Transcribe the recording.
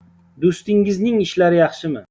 do'stingizning ishlari yaxshimi